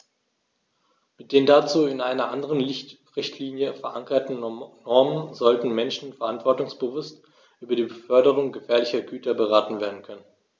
Mit den dazu in einer anderen Richtlinie, verankerten Normen sollten Menschen verantwortungsbewusst über die Beförderung gefährlicher Güter beraten werden können.